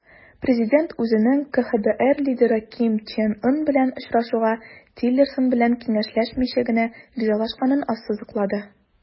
Президент үзенең КХДР лидеры Ким Чен Ын белән очрашуга Тиллерсон белән киңәшләшмичә генә ризалашканын ассызыклады.